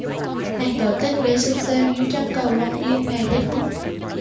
màn tỏ tình gây xôn xao dưới chân cầu long biên ngày rét buốt